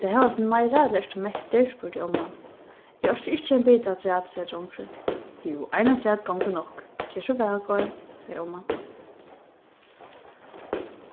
vilt tú hava eitt sindur meira ella ert tú mettur spurdi omman eg orki ikki ein bita afturat segði drongurin jú ein afturat gongur nokk ger so væl góði segði omman